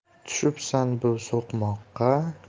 tushibsan bu so'qmoqqa